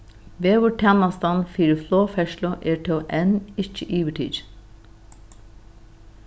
veðurtænastan fyri flogferðslu er tó enn ikki yvirtikin